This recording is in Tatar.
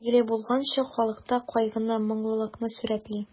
Күке, билгеле булганча, халыкта кайгыны, моңлылыкны сурәтли.